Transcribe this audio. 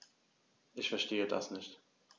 Ich verstehe das nicht.